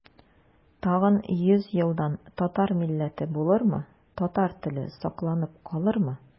Тагын йөз елдан татар милләте булырмы, татар теле сакланып калырмы?